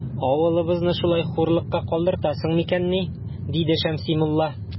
Авылыбызны шулай хурлыкка калдыртасың микәнни? - диде Шәмси мулла.